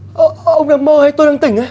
ô ông nằm mơ hay tôi đang tỉnh đấy